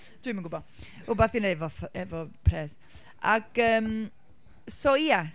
Dwi’m yn gwybod. Rhywbeth i wneud efo ff- efo pres. Ac yym, so ia.